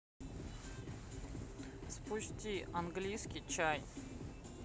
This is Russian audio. спусти английский чай